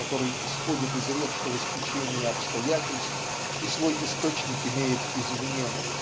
который исходит из редкого стечения обстоятельств и свой источник имеет извне.